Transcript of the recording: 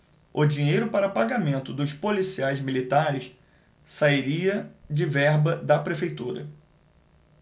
o dinheiro para pagamento dos policiais militares sairia de verba da prefeitura